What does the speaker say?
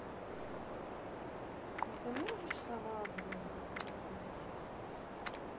а ты можешь сама звук запустить